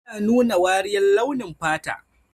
Bata nuna wariyar launin fata.